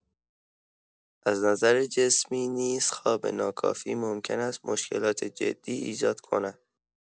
از نظر جسمی نیز خواب ناکافی ممکن است مشکلات جدی ایجاد کند.